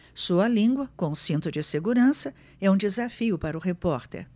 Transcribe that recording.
sua língua com cinto de segurança é um desafio para o repórter